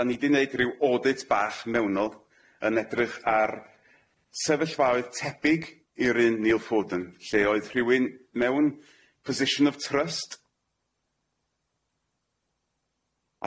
Dan ni di neud ryw audit bach mewnol yn edrych ar sefyllfaoedd tebyg i'r un Neil Foden lle oedd rhywun mewn position of trust.